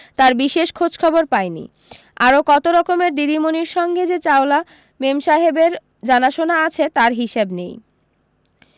তার বিশেষ খোঁজখবর পাইনি আরো কত রকমের দিদিমণির সঙ্গে যে চাওলা মেমসাহেবের জানাশোনা আছে তার হিসাব নেই